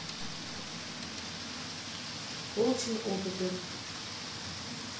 колчин опыты